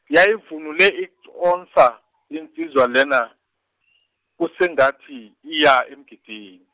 yayivunule iconsa insizwa lena , kusengathi iya emgidini.